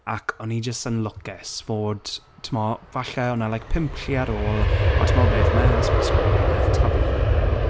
Ac o'n i jyst yn lwcus fod, timod, falle o' 'na like pum lle ar ôl... o timod, be ma' Elis wedi sgrifennu rywbeth, tafla hwnna mewn.